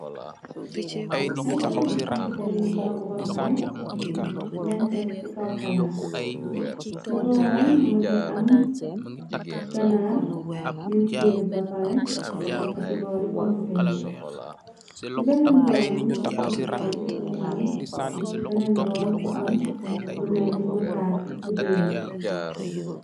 xay fara ji pomputer yun togg ba pare leen teg ci kaw palaar ci booram më ngi am ganaar yuñ fiirir ba pare tekk ci boor yi pomputeer yi ci beneen boor bi ci pomputeer i mingi am beneen boor bu am lu menni mu tarr ci biiram